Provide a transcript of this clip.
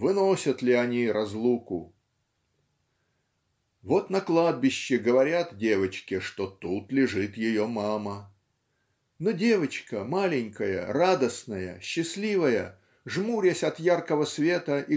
Выносят ли они разлуку?" Вот на кладбище говорят девочке что "тут лежит ее мама" но девочка маленькая радостная счастливая жмурясь от яркого света